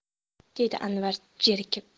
dedi anvar jerkib